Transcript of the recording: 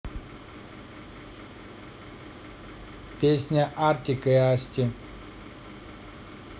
песня artik и asti